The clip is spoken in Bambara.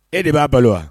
E de b'a bolo wa